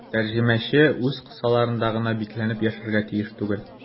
Тәрҗемәче үз кысаларында гына бикләнеп яшәргә тиеш түгел.